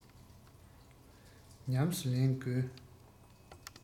ཉམས སུ ལེན དགོས